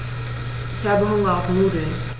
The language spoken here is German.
Ich habe Hunger auf Nudeln.